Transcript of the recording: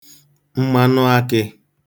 mmanụ akị̄